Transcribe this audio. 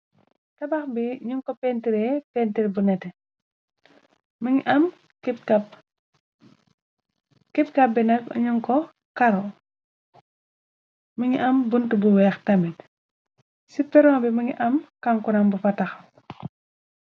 Tabax bi ñun ko pentre pentre bu nete , mungi am képkap. Kepkap bi nak nu ko karo, mungi am bunt bu weex tamit, ci peron bi mungi am kangkuran bu fa taxaw.